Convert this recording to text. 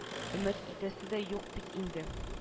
Өмет итәсе дә юк бит инде